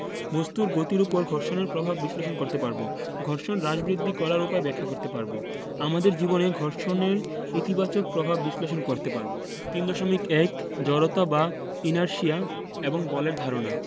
বস্তুর গতির উপর ঘর্ষণের প্রভাব বিশ্লেষণ করতে পারব ঘর্ষণ হ্রাস বৃদ্ধি করার উপায় ব্যাখ্যা করতে পারব আমাদের জীবনে ঘর্ষণের ইতিবাচক প্রভাব বিশ্লেষণ করতে পারব 3.1 জড়তা বা ইনারশিয়া এবং বলের ধারণা